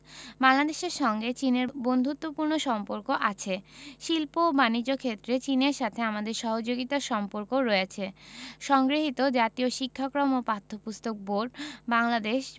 বাংলাদেশের সঙ্গে চীনের বন্ধুত্বপূর্ণ সম্পর্ক আছে শিল্প ও বানিজ্য ক্ষেত্রে চীনের সাথে আমাদের সহযোগিতার সম্পর্কও রয়েছে সংগৃহীত জাতীয় শিক্ষাক্রম ও পাঠ্যপুস্তক বোর্ড বাংলাদেশ